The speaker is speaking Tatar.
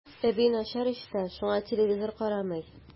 Әби начар ишетә, шуңа телевизор карамый.